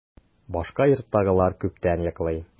Башка йорттагылар күптән йоклый.